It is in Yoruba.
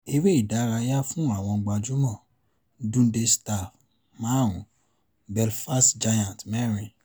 Eré-ìdárayá fún àwọn Gbajúmọ̀: Dundee Stars 5, Belfast Giants 4